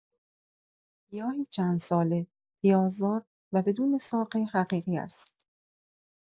گیاهی چندساله، پیازدار و بدون ساقه حقیقی است.